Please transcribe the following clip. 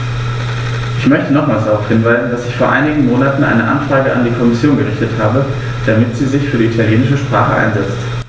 Ich möchte nochmals darauf hinweisen, dass ich vor einigen Monaten eine Anfrage an die Kommission gerichtet habe, damit sie sich für die italienische Sprache einsetzt.